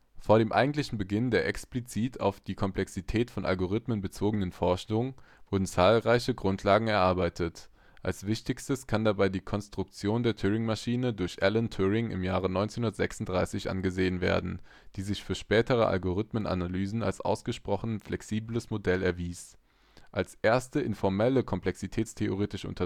Vor dem eigentlichen Beginn der explizit auf die Komplexität von Algorithmen bezogenen Forschung wurden zahlreiche Grundlagen erarbeitet. Als wichtigste kann dabei die Konstruktion der Turingmaschine durch Alan Turing im Jahr 1936 angesehen werden, die sich für spätere Algorithmen-Analysen als ausgesprochen flexibles Modell erwies. Als erste informelle komplexitätstheoretische Untersuchungen